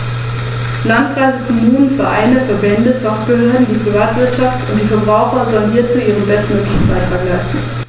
Hannibal nahm den Landweg durch das südliche Gallien, überquerte die Alpen und fiel mit einem Heer in Italien ein, wobei er mehrere römische Armeen nacheinander vernichtete.